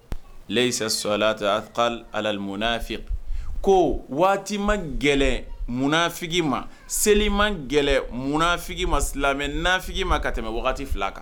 Yisa sɔlamu fi ko ma gɛlɛya munnaf ma seliman gɛlɛya munnaf ma silamɛmɛ nafin ma ka tɛmɛ waati fila kan